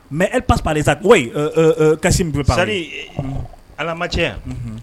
Mɛ ep de sa kasisip pasari alamacɛ yan